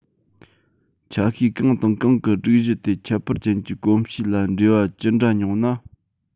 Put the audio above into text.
ཆ ཤས གང དང གང གི སྒྲིག གཞི དེ ཁྱད པར ཅན གྱི གོམས གཤིས ལ འབྲེལ བ ཅི འདྲ ཉུང ན